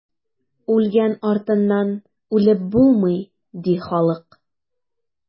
Үлгән артыннан үлеп булмый, ди халык.